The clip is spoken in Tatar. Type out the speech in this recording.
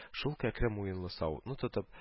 Шул кәкре муенлы савытны тотып